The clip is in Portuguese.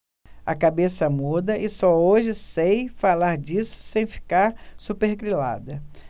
a cabeça muda e só hoje sei falar disso sem ficar supergrilada